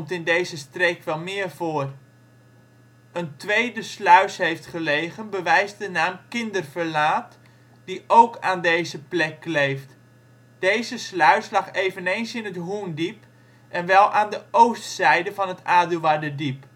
in deze streek wel meer voor) een tweede sluis heeft gelegen, bewijst de naam Kinderverlaat, die ook aan deze plek kleeft. Deze sluis lag eveneens in het Hoendiep en wel aan de oostzijde van het Aduarderdiep